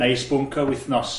Neu sbwnc y wythnos.